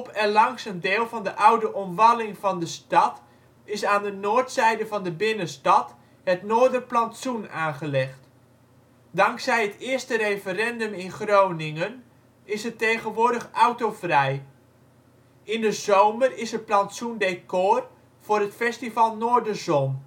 en langs een deel van de oude omwalling van de stad is aan de noordzijde van de binnenstad het Noorderplantsoen aangelegd. Dankzij het eerste referendum in Groningen is het tegenwoordig autovrij. In de zomer is het plantsoen decor voor het festival Noorderzon